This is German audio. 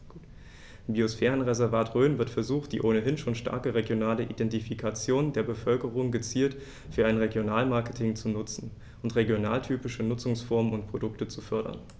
Im Biosphärenreservat Rhön wird versucht, die ohnehin schon starke regionale Identifikation der Bevölkerung gezielt für ein Regionalmarketing zu nutzen und regionaltypische Nutzungsformen und Produkte zu fördern.